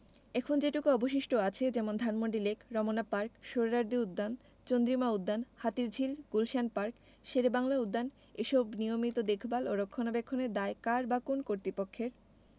এখন যেটুকু অবশিষ্ট আছে যেমন ধানমন্ডি লেক রমনা পার্ক সোহ্রাওয়ার্দী উদ্যান চন্দ্রিমা উদ্যান হাতিরঝিল গুলশান পার্ক শেরেবাংলা উদ্যান এসব নিয়মিত দেখভাল ও রক্ষণাবেক্ষণের দায় কার বা কোন্ কর্তৃপক্ষের